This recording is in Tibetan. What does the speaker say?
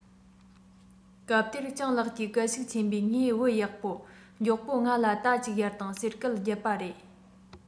སྐབས དེར སྤྱང ལགས ཀྱིས སྐད ཤུགས ཆེན པོས ངའི བུ ཡག པོ མགྱོགས པོ ང ལ རྟ གཅིག གཡར དང ཟེར སྐད རྒྱབ པ རེད